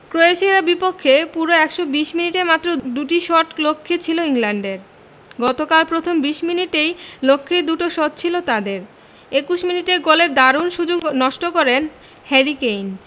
ক্রোয়েশিয়ার বিপক্ষে পুরো ১২০ মিনিটে মাত্র দুটি শট লক্ষ্যে ছিল ইংল্যান্ডের গতকাল প্রথম ২০ মিনিটেই লক্ষ্যে দুটো শট ছিল তাদের ২১ মিনিটে গোলের দারুণ সুযোগ নষ্ট করেন হ্যারি কেইন